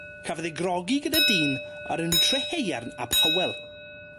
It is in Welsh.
Cafodd ei grogi gyda dyn o'r enw Trehearn ap Hywel.